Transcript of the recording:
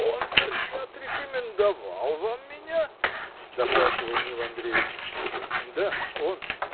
— Он-то и отрекомендовал вам меня? — допрашивал Нил Андреич. — Да, он.